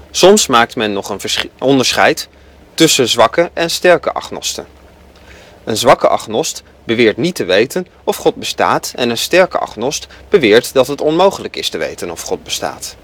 Soms maakt men nog een onderscheid tussen zwakke en sterke agnosten. Een zwakke agnost beweert niet te weten of God bestaat en een sterke agnost beweert dat het onmogelijk is te weten of God bestaat